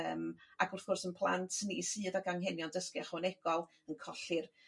Yym ac wrth gwrs 'yn plant ni sydd ac anghenion dysgu ychwanegol yn colli'r